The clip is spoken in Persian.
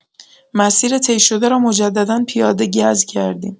مسیر طی شده را مجددا پیاده گز کردیم.